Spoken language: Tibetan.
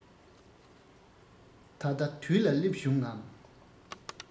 ད ལྟ དུས ལ བསླེབས བྱུང ངམ